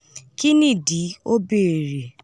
Kí nìdí? o beere.